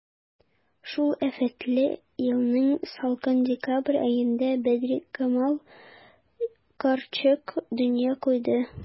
Шул афәтле елның салкын декабрь аенда Бәдрикамал карчык дөнья куйды.